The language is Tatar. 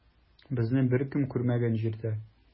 Безне беркем күрмәгән җирдә.